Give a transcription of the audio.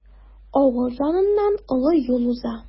Авыл яныннан олы юл уза.